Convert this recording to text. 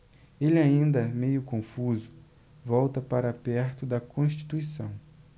ele ainda meio confuso volta para perto de constituição